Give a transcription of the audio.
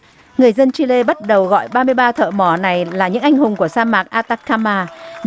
người dân chi lê bắt đầu gọi ba mươi ba thợ mỏ này là những anh hùng của sa mạc a ta ca ma